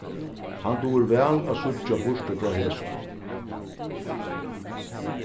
hann dugir væl at síggja burtur frá hesum